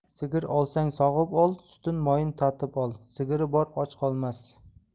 sigir olsang sog'ib ol sutin moyin tatib ol sigiri bor och qolmas